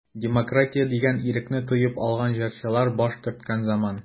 Демократия дигән ирекне тоеп алган җырчылар баш төрткән заман.